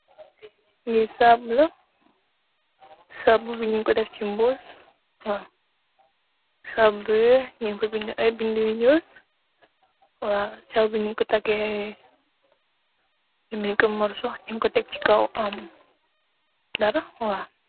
Lii saabu la, saabu bi ñung ko def si mbuus. Waaw, saabu bi, ñung fa bindë, bindë yu ñuul, waaw. Saabu bi ñung ko takké, ambee, ñung ko tek si kow dara.